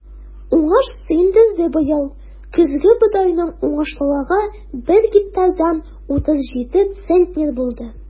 Уңыш сөендерде быел: көзге бодайның уңышлылыгы бер гектардан 37 центнер булды.